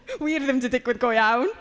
Wir ddim 'di digwydd go iawn.